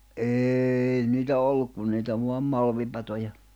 ei niitä ollut kuin niitä vain malmipatoja